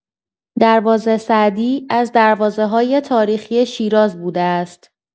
دروازه سعدی از دروازه‌های تاریخی شیراز بوده است.